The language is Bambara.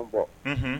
Bɔ, unhun